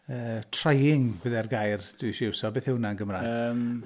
Yy, trying byddai'r gair dwi isie iwso. Beth yw hwnna'n Gymraeg?... Yym.